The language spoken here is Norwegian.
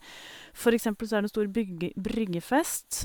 For eksempel så er det stor bygge bryggefest.